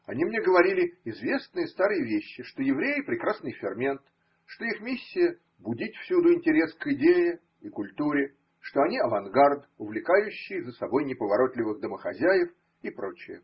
Они мне говорили известные старые вещи: что евреи – прекрасный фермент, что их миссия – будить всюду интерес к идее и культуре, что они – авангард, увлекающий за собой неповоротливых домохозяев, и пр.